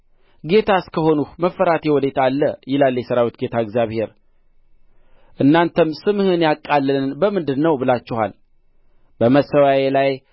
ጌታስ ከሆንሁ መፈራቴ ወዴት አለ ይላል የሠራዊት ጌታ እግዚአብሔር እናንተም ስምህን ያቃለልን በምንድር ነው ብላችኋል በመሠዊያዬ ላይ